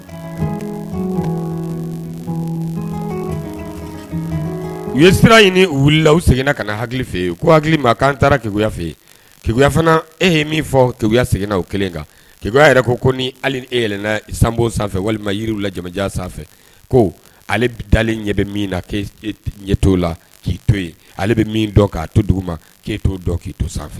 U ye sira ɲini wulila u seginna ka hakili fɛ u ko hakili k' an taara keya fɛ keya fana e ye min fɔ keya seginna kelen kan keya yɛrɛ ko ko ni hali e yɛlɛ sanbo sanfɛ walima yiriw laja sanfɛ ko ale bi dalen ɲɛ bɛ min na ke ɲɛto la k ke to ale bɛ to dugu keyita k ke to sanfɛ